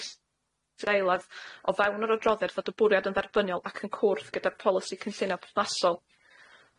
is- liad o fewn yr adroddiad fod y bwriad yn dderbyniol ac yn cwrdd gyda'r polisi cynllunio perthnasol.